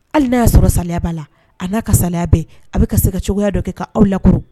Hali n'a'a sɔrɔ saya b'a la a n'a ka saya bɛɛ a bɛ ka se ka cogoyaya dɔ kɛ'aw lak